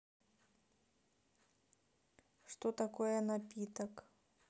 что такое напиток